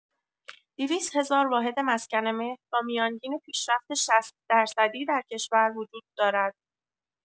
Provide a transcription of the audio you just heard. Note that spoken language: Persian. ۲۰۰ هزار واحد مسکن مهر با میانگین پیشرفت ۶۰ درصدی در کشور وجود دارد.